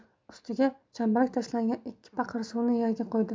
ustiga chambarak tashlangan ikki paqir suvni yerga qo'ydi